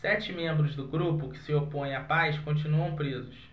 sete membros do grupo que se opõe à paz continuam presos